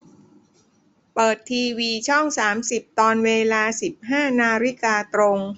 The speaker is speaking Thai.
เปิดทีวีช่องสามสิบตอนเวลาสิบห้านาฬิกาตรง